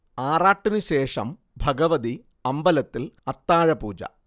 ആറാട്ടിനുശേഷം ഭഗവതി അമ്പലത്തിൽ അത്താഴപൂജ